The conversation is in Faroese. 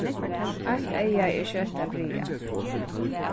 eitt eyga er skjótt at bregða